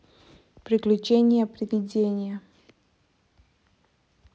приключения привидения